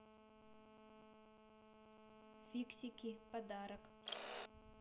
фиксики подарок